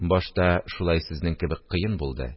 Башта шулай сезнең кебек кыен булды